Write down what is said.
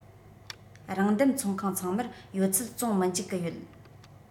རང འདེམས ཚོང ཁང ཚང མར ཡོད ཚད བཙོང མི འཇུག གི ཡོད